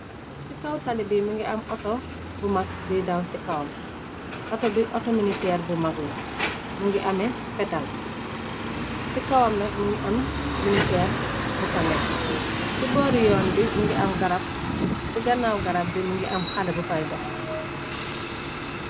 Ci kaw talibi mongi am auto bu mag buy daw ci kawam auto bi auto militeer bu mag la mongi ame fetal ci kawam nak mi ngi am militeer bu fa nekk ci boori yoon bi mongi aarab ci ganaaw garab bi mongi am xale bu fay dox.